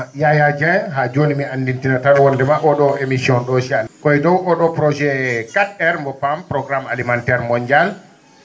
Yaya Dieng haa jooni mi andintine tan o?o émission * koye dow projet quatre R mo PAM programme alimentaire mondial